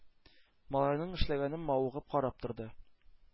Малайның эшләгәнен мавыгып карап торды.